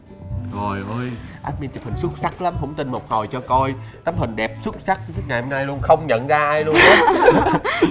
trồi ôi anh chụp hình xuất sắc lắm không tin một hồi cho coi tấm hình đẹp xuất sắc trong ngày hôm nay luôn không nhận ra ai luôn á